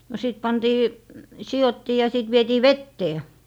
no sitten pantiin sidottiin ja sitten vietiin veteen